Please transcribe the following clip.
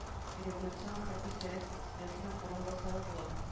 Революцион хәрби совет председателенең урынбасары була